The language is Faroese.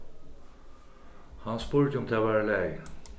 hann spurdi um tað var í lagi